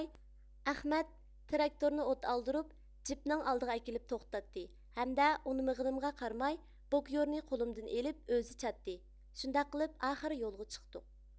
ئەخمەت تراكتورنى ئوت ئالدۇرۇپ جىپنىڭ ئالدىغا ئەكىلىپ توختاتتى ھەمدە ئۇنىمىغىنىمغا قارىماي بوكيۇرنى قولۇمدىن ئېلىپ ئۆزى چاتتى شۇنداق قىلىپ ئاخىرى يولغا چىقتۇق